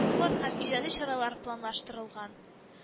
Спорт һәм иҗади чаралар планлаштырылган